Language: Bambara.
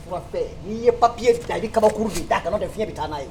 Surafɛn, n'i ye papier da i bɛ kabakuru de d'a kan n'o tɛ fiɲɛ bɛ taa n'a ye